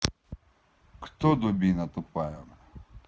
кто дубина тупая